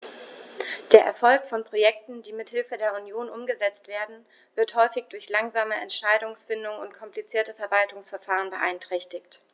Der Erfolg von Projekten, die mit Hilfe der Union umgesetzt werden, wird häufig durch langsame Entscheidungsfindung und komplizierte Verwaltungsverfahren beeinträchtigt.